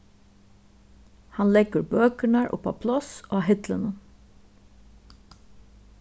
hann leggur bøkurnar upp á pláss á hillunum